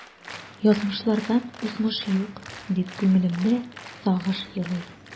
Язмышлардан узмыш юк, дип күңелемдә сагыш елый.